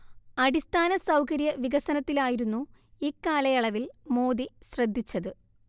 അടിസ്ഥാന സൗകര്യ വികസനത്തിലായിരുന്നു ഇക്കാലയളവിൽ മോദി ശ്രദ്ധിച്ചത്